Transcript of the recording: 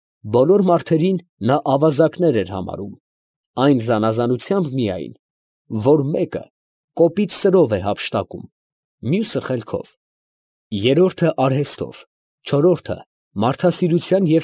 Բոլոր մարդերին նա ավազակներ էր համարում, այն զանազանությամբ միայն, որ մեկը կոպիտ սրով է հափշտակում. մյուսը՝ խելքով, երրորդը՝ արհեստով, չորրորդը՝ մարդասիրության և։